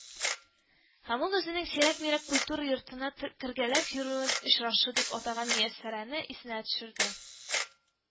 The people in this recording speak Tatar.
Һәм ул үзенең сирәк-мирәк культура йортына кергәләп йөрүен очрашу дип атаган Мияссәрәне исенә төшерде